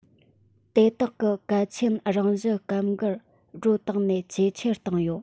དེ དག གི གལ ཆེན རང བཞིན སྐབས འགར སྒྲོ བཏག ནས ཇེ ཆེར བཏང ཡོད